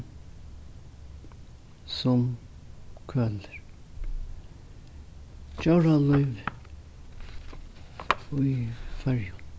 sum kølir djóralívið í føroyum